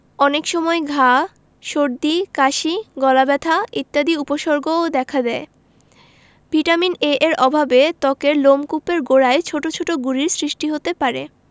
অনেক সময় ঘা সর্দি কাশি গলাব্যথা ইত্যাদি উপসর্গও দেখা দেয় ভিটামিন এ এর অভাবে ত্বকের লোমকূপের গোড়ায় ছোট ছোট গুটির সৃষ্টি হতে পারে